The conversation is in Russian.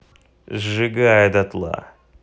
сжигая дотла